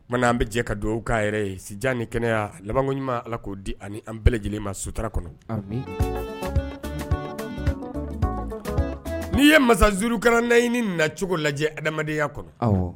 O kumana, an bɛ jɛ ka dugawu k'a yɛrɛ ye sijan ni kɛnɛya labanko ɲumanuma alah k'o di ani an bɛɛ lajɛlen ma sutura kɔnɔ, amina. N'i i ye Masa zurukalanaani na cogo lajɛ adamadenya kɔnɔ, awɔ.